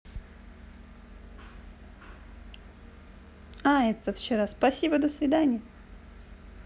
ается вчера спасибо до свидания